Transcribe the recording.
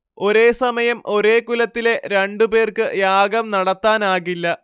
ഒരേ സമയം ഒരേ കുലത്തിലെ രണ്ടുപേർക്ക് യാഗം നടത്താനാകില്ല